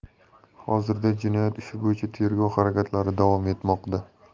hozirda jinoyat ishi bo'yicha tergov harakatlari davom etmoqda